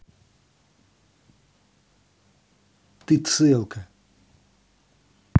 ты целка